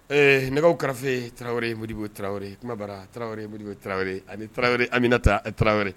Nɛgɛ kɛrɛfɛfe tarawelere moboo tarawele kuma bara tarawelere mbo tarawele ani tarawele an bɛ na taa tarawelere